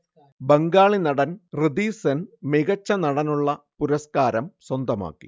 ബംഗാളി നടൻ ഋഥീസെൻ മികച്ച നടനുള്ള പുരസ്ക്കാരം സ്വന്തമാക്കി